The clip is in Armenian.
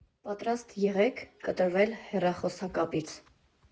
Պատրաստ եղեք կտրվել հեռախոսակապից։